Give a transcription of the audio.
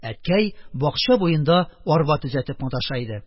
Әткәй бакча буенда арба төзәтеп маташа иде.